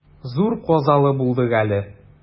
Зур казалы булдык әле.